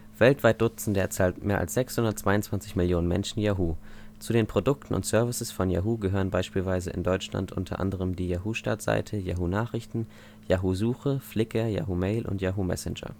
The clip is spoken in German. Weltweit nutzen derzeit mehr als 622 Millionen Menschen Yahoo. Zu den Produkten und Services von Yahoo gehören beispielsweise in Deutschland unter anderem die Yahoo Startseite, Yahoo Nachrichten, Yahoo Suche, Flickr, Yahoo Mail und Yahoo Messenger